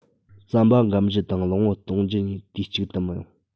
རྩམ པ འགམ རྒྱུ དང གླིང བུ གཏོང རྒྱུ གཉིས དུས གཅིག ཏུ མི ཡོང